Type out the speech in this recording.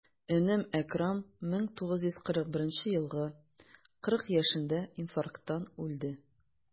Энем Әкрам, 1941 елгы, 40 яшендә инфаркттан үлде.